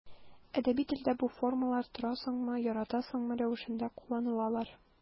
Әдәби телдә бу формалар торасыңмы, яратасыңмы рәвешендә кулланылалар.